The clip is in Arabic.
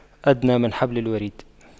أدنى من حبل الوريد